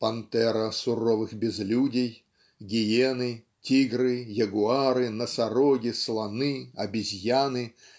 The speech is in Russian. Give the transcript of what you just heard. "пантера суровых безлюдий" гиены тигры ягуары носороги слоны обезьяны